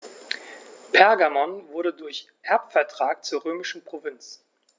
Pergamon wurde durch Erbvertrag zur römischen Provinz.